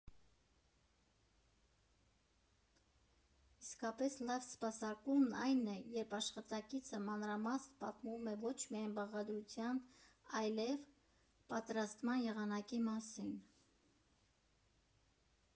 Իսկապես լավ սպասարկումն այն է, երբ աշխատակիցը մանրամասն պատմում է ոչ միայն բաղադրության, այլև պատրաստման եղանակի մասին։